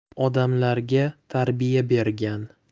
odamlarga tarbiya bergan